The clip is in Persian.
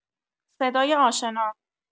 صدای آشنا